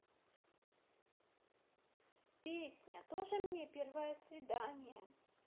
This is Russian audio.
песня тоже мне первое свидание